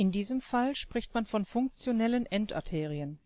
diesem Fall spricht man von funktionellen Endarterien